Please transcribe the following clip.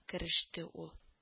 Кереште ул